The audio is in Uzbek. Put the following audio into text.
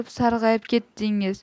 sarg'ayib ketdingiz